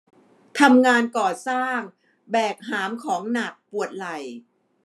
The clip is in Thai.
ทำงานก่อสร้างแบกหามของหนักปวดไหล่